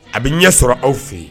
A bɛ ɲɛ sɔrɔ aw fɛ yen